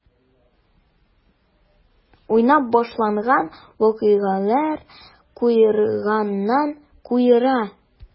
Уйнап башланган вакыйгалар куерганнан-куера.